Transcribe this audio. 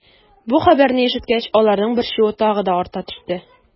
Бу хәбәрне ишеткәч, аларның борчуы тагы да арта төште.